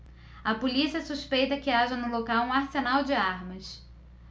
a polícia suspeita que haja no local um arsenal de armas